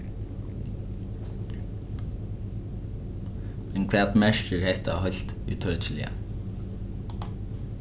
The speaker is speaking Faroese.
men hvat merkir hetta heilt ítøkiliga